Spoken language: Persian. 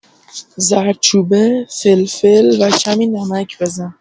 زردچوبه، فلفل و کمی نمک بزن.